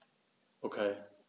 Okay.